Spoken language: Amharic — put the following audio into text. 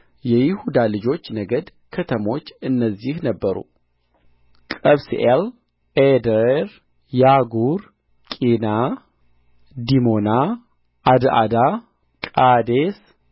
የይሁዳ ልጆች ነገድ ከተሞች እነዚህ ነበሩ ቀብስኤል ዔዴር ያጉር ቂና ዲሞና ዓድዓዳ ቃዴስ ሐጾር ዪትናን ዚፍ ጤሌም በዓሎት